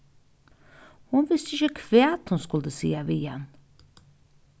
hon visti ikki hvat hon skuldi siga við hann